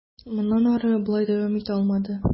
Моннан ары болай дәвам итә алмады.